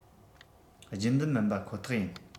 རྒྱུན ལྡན མིན པ ཁོ ཐག ཡིན